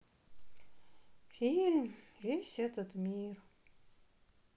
фильм весь этот мир